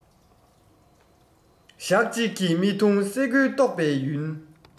ཞག གཅིག གི རྨི ཐུང སེ གོལ གཏོག པའི ཡུན